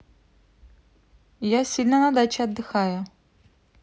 я сильно на даче отдыхаю